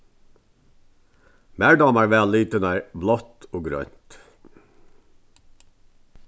mær dámar væl litirnar blátt og grønt